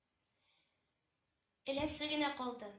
Эләсе генә калды.